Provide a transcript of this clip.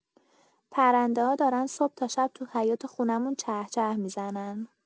پرنده‌ها دارن صبح تا شب تو حیاط خونمون چهچه می‌زنن.